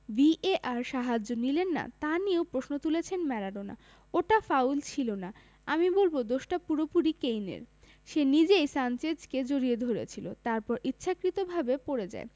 VAR সাহায্য নিলেন না তা নিয়েও প্রশ্ন তুলেছেন ম্যারাডোনা ওটা ফাউল ছিল না আমি বলব দোষটা পুরোপুরি কেইনের সে নিজেই সানচেজকে জড়িয়ে ধরেছিল তারপরে ইচ্ছাকৃতভাবে পড়ে যায়